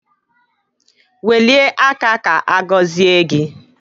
Welie aka ka agọzie gị.